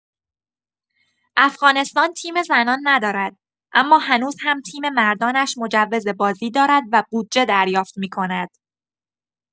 افغانستان تیم زنان ندارد، اما هنوز هم تیم مردانش مجوز بازی دارد و بودجه دریافت می‌کند.